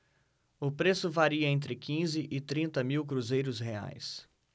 o preço varia entre quinze e trinta mil cruzeiros reais